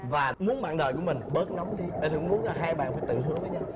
và muốn bạn đời của mình bớt nóng đi giả sử muốn hai bạn phải tự hứa với nhau